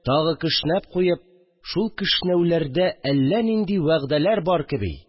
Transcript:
Тагы кешнәп куеп, шул кешнәүләрдә әллә нинди вәгъдәләр бар кеби